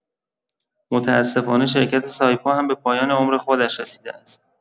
متاسفانه شرکت سایپا هم به پایان عمر خودش رسیده است.